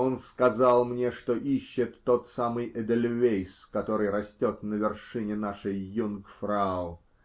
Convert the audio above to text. Он сказал мне, что ищет тот самый эдельвейс, который растет на вершине нашей Юнгфрау.